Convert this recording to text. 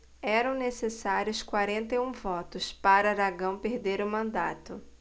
eram necessários quarenta e um votos para aragão perder o mandato